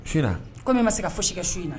Sera komi ma se ka fo si so in na